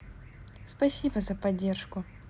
спасибо за поддержку